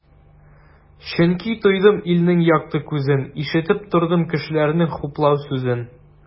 Чөнки тойдым илнең якты күзен, ишетеп тордым кешеләрнең хуплау сүзен.